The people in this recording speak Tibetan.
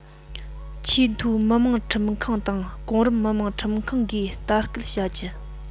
ཆེས མཐོའི མི དམངས ཁྲིམས ཁང དང གོང རིམ མི དམངས ཁྲིམས ཁང གིས ལྟ སྐུལ བྱ རྒྱུ